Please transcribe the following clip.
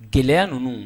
Gɛlɛyaya ninnu